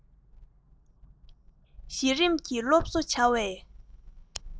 གཞི རིམ གྱི སློབ གསོའི བྱ བའི